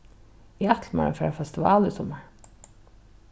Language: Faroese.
eg ætli mær at fara á festival í summar